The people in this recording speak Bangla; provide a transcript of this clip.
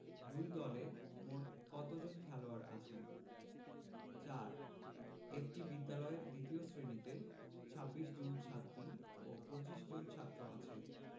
দুই দলে মোট কতজন খেলোয়াড় আছেন ৪ একটি বিদ্যালয়ের দ্বিতীয় শ্রেণিতে ২৬ জন ছাত্রী ও ২৫ জন ছাত্র আছে